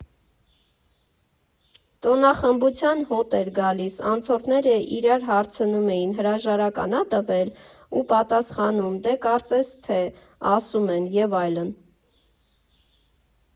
Տոնախմբության հոտ էր գալիս, անցորդները իրար հարցնում էին՝ հրաժարական ա՞ տվել, ու պատասխանում՝ դե կարծես թե, ասում են, և այլն։